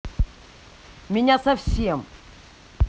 меня совсем